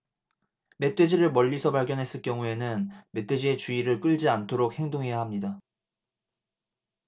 멧돼지를 멀리서 발견했을 경우에는 멧돼지의 주의를 끌지 않도록 행동해야 합니다